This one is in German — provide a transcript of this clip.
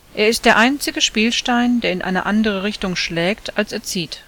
Er ist der einzige Spielstein, der in eine andere Richtung schlägt als er zieht